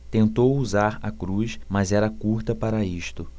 tentou usar a cruz mas era curta para isto